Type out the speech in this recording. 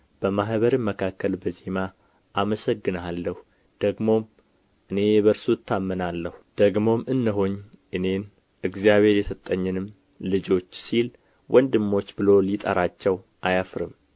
በማኅበርም መካከል በዜማ አመሰግንሃለሁ ደግሞም እኔ በእርሱ እታመናለሁ ደግሞም እነሆኝ እኔን እግዚአብሔር የሰጠኝንም ልጆች ሲል ወንድሞች ብሎ ሊጠራቸው አያፍርም